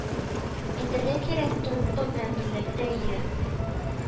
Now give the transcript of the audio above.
Әйтергә кирәк, труппа белән берлектә Е